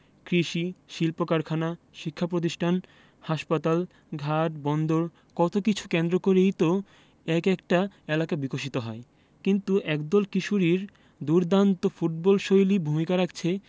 কৃষি শিল্পকারখানা শিক্ষাপ্রতিষ্ঠান হাসপাতাল ঘাট বন্দর কত কিছু কেন্দ্র করেই তো এক একটা এলাকা বিকশিত হয় কিন্তু একদল কিশোরীর দুর্দান্ত ফুটবলশৈলী ভূমিকা রাখছে